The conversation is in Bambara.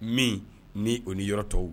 Min ni o ni yɔrɔ tɔw